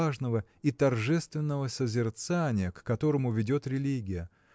важного и торжественного созерцания к которому ведет религия.